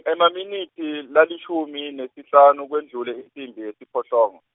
emaminitsi lalishumi nesihlanu kwendlule insimbi yesiphohlongo.